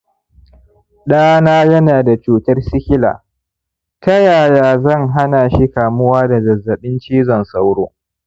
dana yana da cutar sikila, ta yaya zan hana shi kamuwa da zazzaɓin cizon sauro